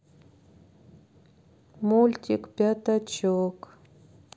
мультик пятачок